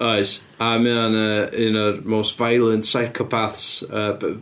Oes, a ma' o'n yy un o'r most violent psychopaths yy b-...